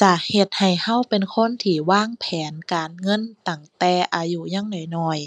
จะเฮ็ดให้เราเป็นคนที่วางแผนการเงินตั้งแต่ยังอายุน้อยน้อย